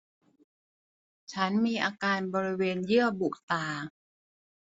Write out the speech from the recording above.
ฉันมีอาการบริเวณเยื่อบุตา